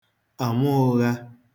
ama ụ̄ghā